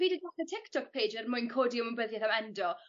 Fi 'di Tiktok page er mwyn codi ymwybyddieth of endo